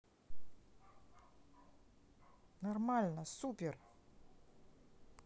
нормально супер